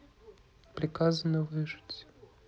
приказано выжить